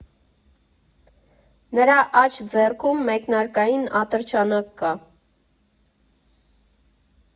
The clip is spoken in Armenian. Նրա աջ ձեռքում մեկնարկային ատրճանակ կա։